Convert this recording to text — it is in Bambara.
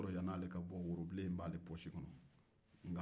o y'a sɔrɔ yanni ale ka bɔ woro bilen tun b'a ka posi kɔnɔ